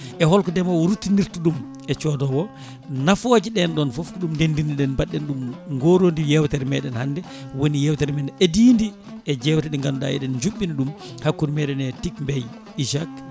e holko ndeemowo o ruttinirta ɗum e ccodowo o nafooje ɗen ɗon foof ko ɗum ndendinɗen mbaɗɗen ɗum gorondi yewtere meɗen hannde woni yewtere men eedide e jewte ɗe ganduɗa eɗen juɓɓina ɗum hakkude meɗen e Ticmbay IJAK